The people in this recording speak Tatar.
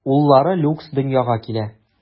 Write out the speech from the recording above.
Уллары Люкс дөньяга килә.